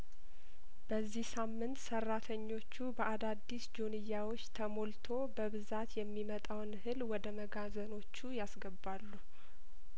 በዚህ ሳምንት ሰራተኞቹ በአዳዲስ ጆንያዎች ተሞልቶ በብዛት የሚመጣውን እህል ወደ መጋዘኖቹ ያስገባሉ